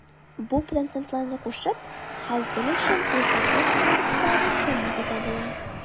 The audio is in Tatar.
Бу процентларны кушып, һәр тел өчен уртаклык индекслары суммасы табыла.